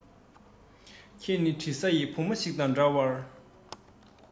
ཁྱེད ནི དྲི ཟ ཡི བུ མོ ཞིག དང འདྲ བར